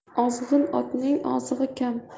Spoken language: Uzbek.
ozg'in otning ozig'i kam